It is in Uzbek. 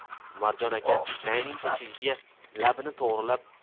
umarjon aka nayning teshigiga labini to'g'rilab